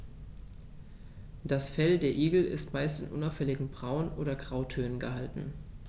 Das Fell der Igel ist meist in unauffälligen Braun- oder Grautönen gehalten.